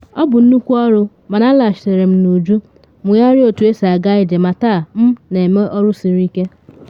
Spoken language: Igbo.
Ọ bụ nnukwu ọrụ mana alaghachitere m n’uju, mụgharịa otu esi aga ije ma taa m na eme ọrụ siri ike!